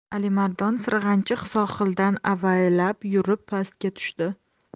alimardon sirg'anchiq sohildan avaylab yurib pastga tushdi